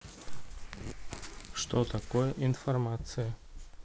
что такое информация